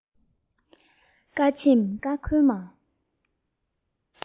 བཀའ ཆེམས ཀ ཁོལ མ